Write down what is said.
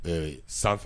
Ɛɛ san